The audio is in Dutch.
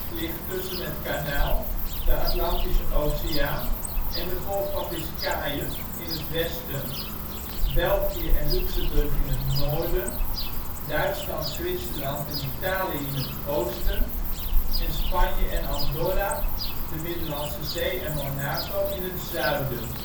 ligt tussen het Kanaal, de Atlantische Oceaan en de Golf van Biskaje (in het westen), België en Luxemburg (in het noorden), Duitsland, Zwitserland en Italië (in het oosten) en Spanje, Andorra, de Middellandse Zee en Monaco in het zuiden